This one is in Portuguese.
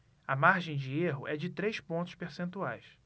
a margem de erro é de três pontos percentuais